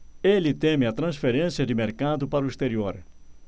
ele teme a transferência de mercado para o exterior